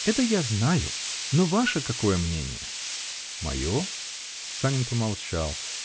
Это я знаю; но ваше какое мнение? -- Мое? -- Санин помолчал.